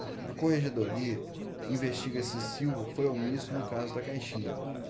a corregedoria investiga se silva foi omisso no caso da caixinha